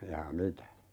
jaa mitä